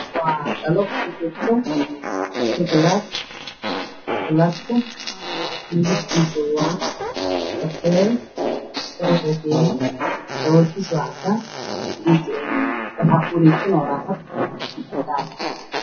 Waa dhalo ku jurta shukulaato mideb kiisu waa kafee